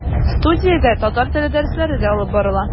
Студиядә татар теле дәресләре дә алып барыла.